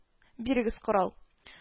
Бирегез корал